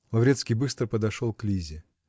Лаврецкий быстро подошел к Лизе.